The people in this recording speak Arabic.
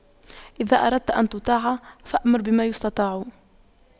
إذا أردت أن تطاع فأمر بما يستطاع